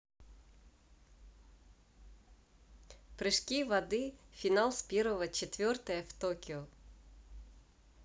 прыжки воды финал с первого четвертая в токио